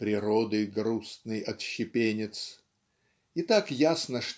"природы грустный отщепенец" и так ясно